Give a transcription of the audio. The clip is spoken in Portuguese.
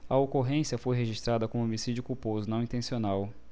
a ocorrência foi registrada como homicídio culposo não intencional